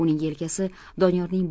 uning yelkasi doniyorning